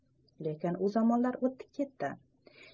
lekin u zamonlar o'tdi ketdi